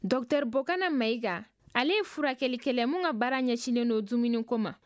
docteur bokara mayiga ale ye furakɛlikɛla ye min ka baara ɲɛsinnen don dumuniko ma